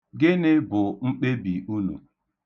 Gịnị bụ mkpebi unu?